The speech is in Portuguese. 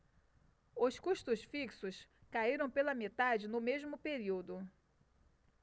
os custos fixos caíram pela metade no mesmo período